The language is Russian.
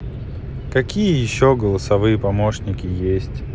какие еще голосовые помощники есть